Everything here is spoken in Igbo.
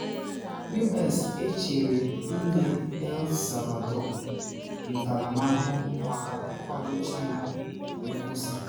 U.S. Echere Ịnye El Salvador Ntaramahụhụ Maka Ịkwado China, Wee Kwụsị